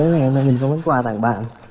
ngày hôm nay mình có món quà tặng bạn